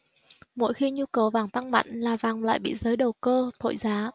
mỗi khi nhu cầu vàng tăng mạnh là vàng lại bị giới đầu cơ thổi giá